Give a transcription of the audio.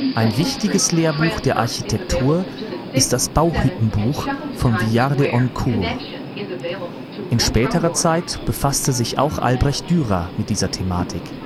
Ein wichtiges Lehrbuch, das die Architektur behandelt ist das Bauhüttenbuch von Villard de Honnecourt. In späterer Zeit befasste sich auch Albrecht Dürer mit dieser Thematik